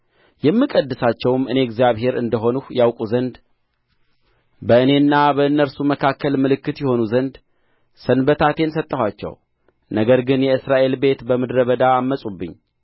የምቀድሳቸውም እኔ እግዚአብሔር እንደ ሆንሁ ያውቁ ዘንድ በእኔና በእነርሱ መካከል ምልክት ይሆኑ ዘንድ ሰንበታቴን ሰጠኋቸው ነገር ግን የእስራኤል ቤት በምድረ በዳ ዐመፁብኝ